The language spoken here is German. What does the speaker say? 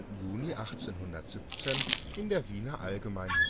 Juni 1817 in der Wiener Allgemeinen